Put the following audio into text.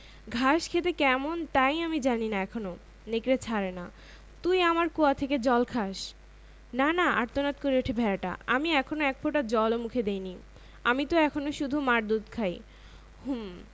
ঘাস খেতে কেমন তাই আমি জানি না এখনো নেকড়ে ছাড়ে না তুই আমার কুয়ো থেকে জল খাস না না আর্তনাদ করে ওঠে ভেড়াটা আমি এখনো এক ফোঁটা জল ও মুখে দিইনি আমি ত এখনো শুধু মার দুধ খাই হুম